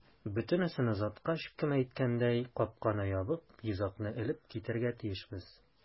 Бөтенесен озаткач, кем әйткәндәй, капканы ябып, йозакны элеп китәргә тиешбез.